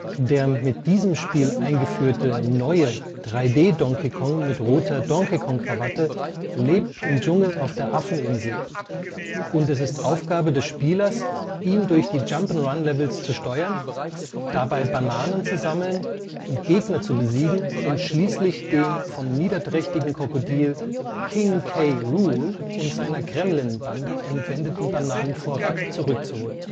Der mit diesem Spiel eingeführte „ neue “3D-Donkey Kong mit roter DK-Krawatte lebt im Dschungel auf der Affeninsel, und es ist Aufgabe des Spielers, ihn durch die Jump'n'Run-Levels zu steuern, dabei Bananen zu sammeln und Gegner zu besiegen, um schließlich den vom niederträchtigen Krokodil King K. Rool und seiner Kremling-Bande entwendeten Bananenvorrat zurückzuholen